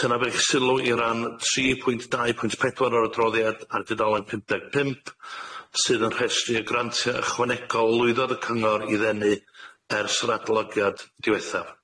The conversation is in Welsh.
Tynaf eich sylw i ran tri pwynt dau pwynt pedwar o'r adroddiad ar dudalen pump deg pump sydd yn rhestru y grantiau ychwanegol lwyddodd y Cyngor i ddenu ers yr adolygiad diwethaf.